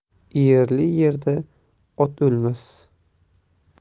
iyirli yerda ot o'lmas